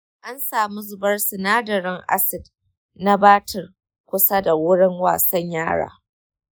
an samu zubar sinadarin acid na batir kusa da wurin wasan yara.